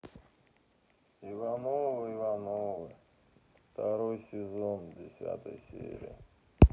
ивановы ивановы второй сезон десятая серия